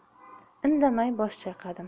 indamay bosh chayqadim